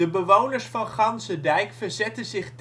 bewoners van Ganzedijk verzetten zich